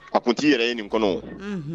A tun n'i yɛrɛ ye nin kɔnɔ